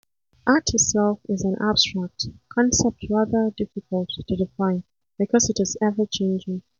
Art itself is an abstract concept rather difficult to define because it is ever-changing.